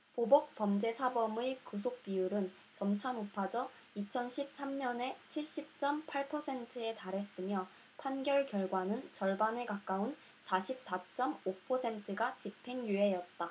보복 범죄 사범의 구속 비율은 점차 높아져 이천 십 삼 년에 칠십 쩜 팔 퍼센트에 달했으며 판결 결과는 절반에 가까운 사십 사 쩜 오 퍼센트가 집행유예였다